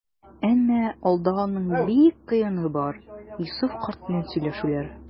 Әмма алда әле аның бик кыены бар - Йосыф карт белән сөйләшүләр.